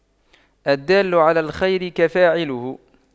الدال على الخير كفاعله